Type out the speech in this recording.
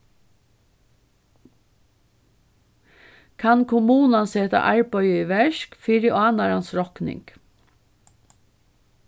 kann kommunan seta arbeiðið í verk fyri ánarans rokning